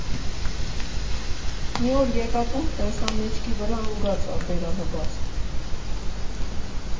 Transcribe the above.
Մի օր եկա տուն, տեսա՝ մեջքի վրա ընգած ա, բերանը՝ բաց…